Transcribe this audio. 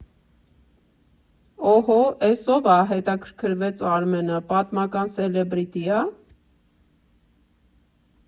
֊ Օհո, էս ո՞վ ա, ֊ հետաքրքրվեց Արմենը, ֊ պատմական սելեբրիթի ա՞։